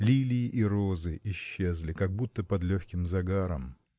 Лилии и розы исчезли, как будто под легким загаром.